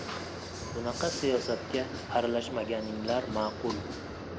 bunaqa siyosatga aralashmaganinglar ma'qul